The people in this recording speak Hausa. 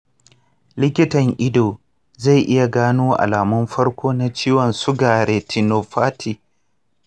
likitan ido zai iya gano alamun farko na ciwon suga retinopathy.